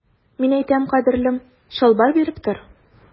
Мин әйтәм, кадерлем, чалбар биреп тор.